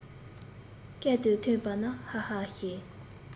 སྐད དེ ཐོས པ ན ཧ ཧ ཞེས